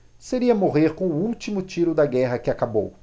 seria morrer com o último tiro da guerra que acabou